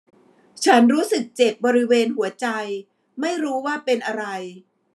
ฉันรู้สึกเจ็บบริเวณหัวใจไม่รู้ว่าเป็นอะไร